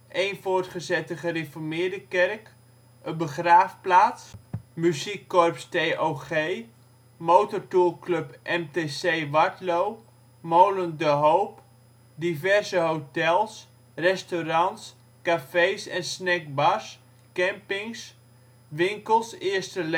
een voortgezette gereformeerde kerk, een begraafplaats, muziekkorps TOG, motortoerclub MTC Wardlo, molen De Hoop, diverse hotels, restaurants, cafés en snackbars, campings, winkels eerste